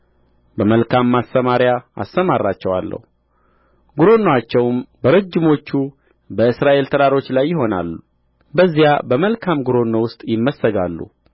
በመልካም ማሰማርያ እሰማራቸዋለሁ ጕረኖአቸውም በረጅሞቹ በእስራኤል ተራሮች ላይ ይሆናል በዚያ በመልካም ጕረኖ ውስጥ ይመሰጋሉ